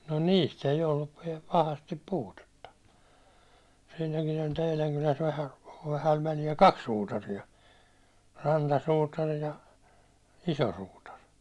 no niistä ei ollut - pahasti puutetta siinäkin olit teidän kylässä - vähän väliä kaksi suutareita rantasuutari ja iso suutari